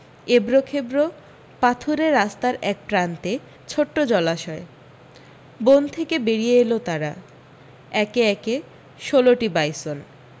এবড়ো খেবড়ো পাথুরে রাস্তার এক প্রান্তে ছোট্ট জলাশয় বন থেকে বেরিয়ে এল তারা একে একে ষোলোটি বাইসন